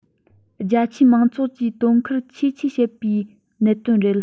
རྒྱ ཆེའི མང ཚོགས ཀྱིས དོ ཁུར ཆེས ཆེ བྱེད པའི གནད དོན རེད